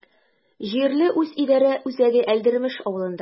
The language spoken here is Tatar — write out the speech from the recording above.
Җирле үзидарә үзәге Әлдермеш авылында.